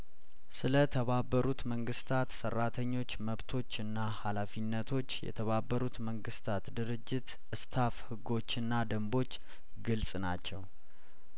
ስለተባበሩት መንግስታት ሰራተኞች መብቶችና ሀላፊ ነቶች የተባበሩት መንግስታት ድርጅት እስታፍ ህጐችና ደንቦች ግልጽ ናቸው